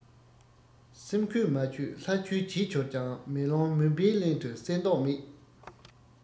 སེམས གོས མ ཆོད ལྷ ཆོས བྱས གྱུར ཀྱང མེ ལོང མུན པའི གླིང དུ གསལ མདོག མེད